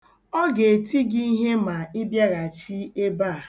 Ọ ga-eti gị ihe ma ịbịaghachi ebe a.